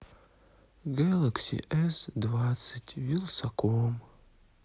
гэлакси эс двадцать вилсаком